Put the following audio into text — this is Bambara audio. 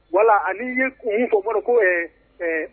voilà ani i ye kun mun fɔ ma don ko ɛɛ